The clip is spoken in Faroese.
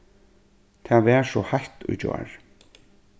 tað var so heitt í gjár